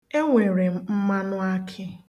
E nwere m mmanụakị.